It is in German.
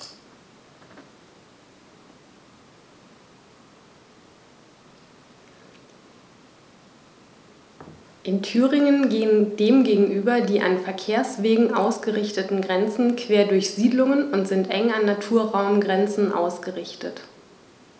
In Thüringen gehen dem gegenüber die an Verkehrswegen ausgerichteten Grenzen quer durch Siedlungen und sind eng an Naturraumgrenzen ausgerichtet.